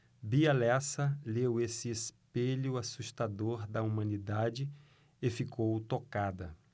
bia lessa leu esse espelho assustador da humanidade e ficou tocada